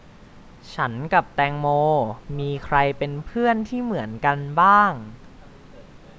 ฉันกับแตงโมมีใครเป็นเพื่อนที่เหมือนกันบ้าง